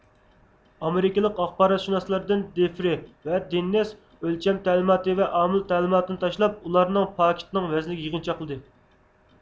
ئامېرىكىلىق ئاخباراتشۇناسلاردىن دېفرې ۋە دېننىس ئۆلچەم تەلىماتى ۋە ئامىل تەلىماتىنى تاشلاپ ئۇلارنى پاكىتنىڭ ۋەزنىگە يىغىنچاقلىدى